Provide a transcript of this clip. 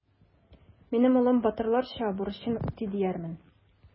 Минем улым батырларча бурычын үти диярмен.